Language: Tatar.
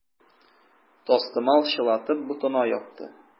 Тастымал чылатып, ботына япты.